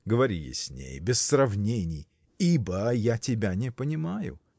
-- Говори ясней, без сравнений, ибо я тебя не понимаю.